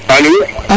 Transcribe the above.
alo